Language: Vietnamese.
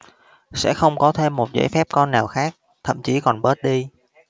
sẽ không có thêm một giấy phép con nào khác thậm chí còn bớt đi